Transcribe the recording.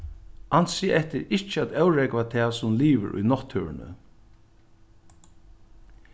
ansið eftir ikki at órógva tað sum livir í náttúruni